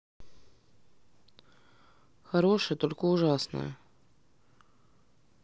хорошая только ужасная